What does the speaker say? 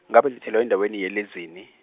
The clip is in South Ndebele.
ngabelethelwa endaweni yeLezili.